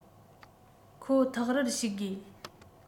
ཁོ ཐག རར ཞུགས དགོས